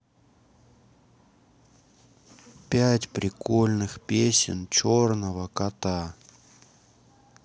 пять прикольных песен черного кота